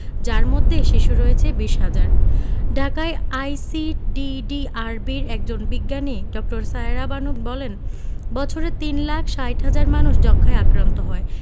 যার মধ্যে শিশু রয়েছে প্রায় ২০ হাজার ঢাকায় আইসিডিডিআরবির একজন বিজ্ঞানী ড. সায়েরা বানু বলেন বছরে তিন লাখ ৬০ হাজার মানুষ যক্ষ্মায় আক্রান্ত হয়